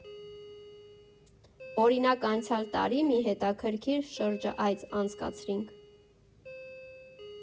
Օրինակ՝ անցյալ տարի մի հետաքրքիր շրջայց անցկացրինք։